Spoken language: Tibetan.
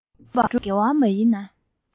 འདོད པ སྒྲུབ པ དགེ བ མ ཡིན ན